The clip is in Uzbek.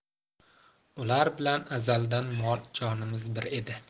ular bilan azaldan mol jonimiz bir edi